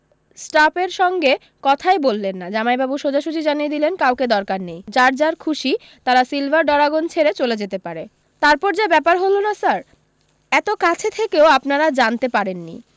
স্টাপের সঙ্গে কথাই বললেন না জামাইবাবু সোজাসুজি জানিয়ে দিলেন কাউকে দরকার নেই যার যার খুশি তারা সিলভার ডরাগন ছেড়ে চলে যেতে পারে তারপর যা ব্যাপার হলো না স্যার এতো কাছে থেকেও আপনারা জানতে পারেন নি